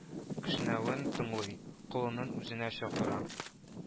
Кешнәвен тыңлый, колынын үзенә чакыра